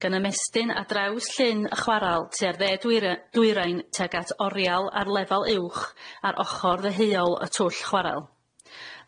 gan ymestyn ar draws llyn y chwaral tua'r dde dwyre- dwyrain tuag at orial ar lefal uwch ar ochor ddeheuol y twll chwaral.